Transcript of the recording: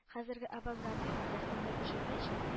Хәзерге авангардист рәссамнар төшергәнчә